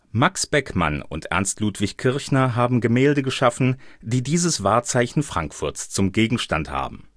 Max Beckmann und Ernst Ludwig Kirchner haben Gemälde geschaffen, die dieses Wahrzeichen Frankfurts zum Gegenstand haben